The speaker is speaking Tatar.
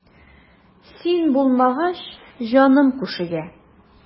Син булмагач җаным күшегә.